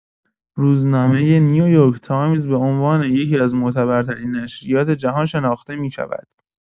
روزنامه نیویورک‌تایمز به عنوان یکی‌از معتبرترین نشریات جهان شناخته می‌شود.